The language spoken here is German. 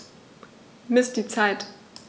Miss die Zeit.